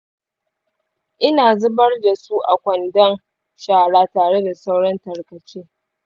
ina zubar da su a kwandon shara tare da sauran tarkace.